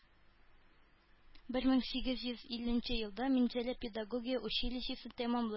Бер мең сигез йөз илленче елда Минзәлә педагогия училищесын тәмамлый